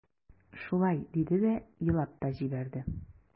Шулай диде дә елап та җибәрде.